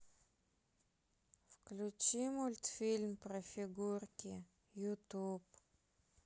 включи мультфильм про фигурки ютуб